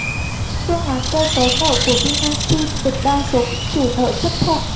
phương án cơ cấu nợ của vinashin được đa số các chủ nợ chấp thuận